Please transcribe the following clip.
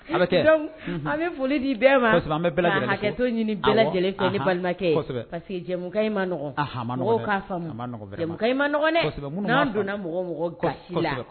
A bɛ kɛ donc unhun an be foli di bɛɛ ma kosɛbɛ an bɛ bɛɛ lajɛlen ka hakɛto ɲini awɔ bɛɛ lajɛlen fɛ anhan ne balimakɛ parce que jaamukan in ma nɔgɔn aha a ma nɔgɔn dɛ mɔgɔw k'a faamu a ma nɔgɔn vraiment jamukan in ma nɔgɔn dɛ kosɛbɛ munnu m'a n'an donna mɔgɔ mɔgɔ gasi la kosɛbɛ